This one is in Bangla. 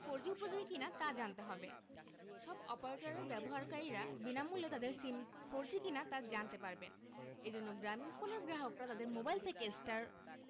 ফোরজি উপযোগী কিনা তা জানতে হবে সব অপারেটরের ব্যবহারকারীরা বিনামূল্যে তাদের সিম ফোরজি কিনা তা জানতে পারবেন এ জন্য গ্রামীণফোনের গ্রাহকরা তাদের মোবাইল থেকে *